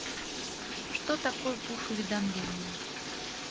что такое push уведомления